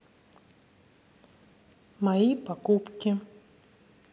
мои покупки